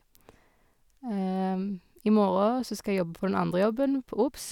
I morgen så skal jeg jobbe på den andre jobben, på Obs.